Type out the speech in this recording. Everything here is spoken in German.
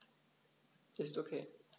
Ist OK.